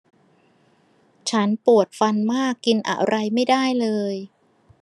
ฉันปวดฟันมากกินอะไรไม่ได้เลย